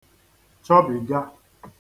chọbìga